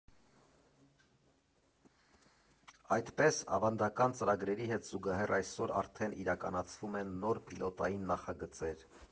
Այդպես, ավանդական ծրագրերի հետ զուգահեռ այսօր արդեն իրականացվում են նոր պիլոտային նախագծեր։